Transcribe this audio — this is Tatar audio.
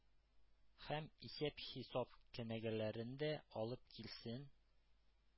Һәм: «исәп-хисап кенәгәләрен дә алып килсен»,